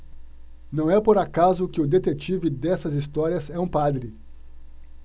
não é por acaso que o detetive dessas histórias é um padre